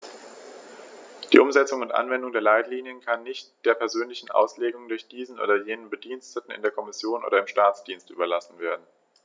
Die Umsetzung und Anwendung der Leitlinien kann nicht der persönlichen Auslegung durch diesen oder jenen Bediensteten in der Kommission oder im Staatsdienst überlassen werden.